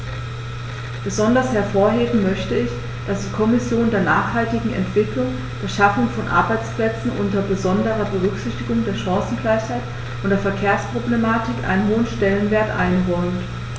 Besonders hervorheben möchte ich, dass die Kommission der nachhaltigen Entwicklung, der Schaffung von Arbeitsplätzen unter besonderer Berücksichtigung der Chancengleichheit und der Verkehrsproblematik einen hohen Stellenwert einräumt.